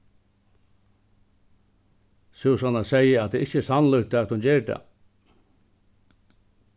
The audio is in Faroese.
súsanna segði at tað ikki er sannlíkt at hon ger tað